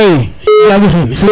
oui